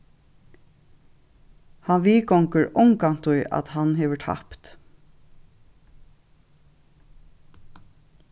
hann viðgongur ongantíð at hann hevur tapt